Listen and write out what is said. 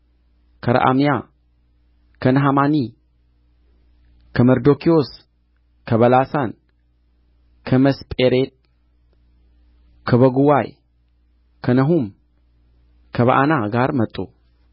ከረዓምያ ከነሐማኒ ከመርዶክዮስ ከበላሳን ከሚስጴሬት ከበጉዋይ ከነሑም ከበዓና ጋር መጡ